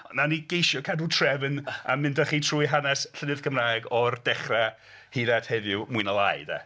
Ond wnawn ni geisio cadw trefn, a mynd â chi trwy hanes llenyddiaeth Gymraeg o'r dechrau hyd at heddiw mwy neu lai de.